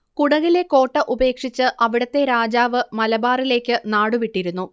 കുടകിലെ കോട്ട ഉപേക്ഷിച്ച് അവിടത്തെ രാജാവ് മലബാറിലേക്ക് നാടുവിട്ടിരുന്നു